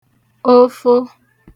ofo